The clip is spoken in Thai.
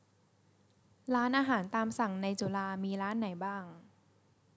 ร้านอาหารตามสั่งในจุฬามีร้านไหนบ้าง